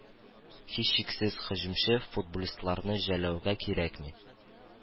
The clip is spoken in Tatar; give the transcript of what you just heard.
Һичшиксез һөҗүмче футбулистларны жәлэүгә кирәкми.